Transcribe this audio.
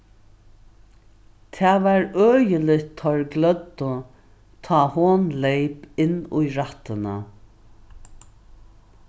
tað var øgiligt teir gløddu tá hon leyp inn í rættina